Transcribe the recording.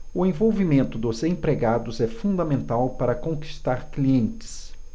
o envolvimento dos empregados é fundamental para conquistar clientes